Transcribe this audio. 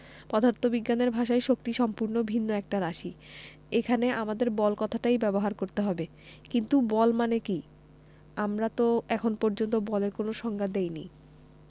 পদার্থবিজ্ঞানের ভাষায় শক্তি সম্পূর্ণ ভিন্ন একটা রাশি এখানে আমাদের বল কথাটাই ব্যবহার করতে হবে কিন্তু বল মানে কী আমরা তো এখন পর্যন্ত বলের কোনো সংজ্ঞা দিইনি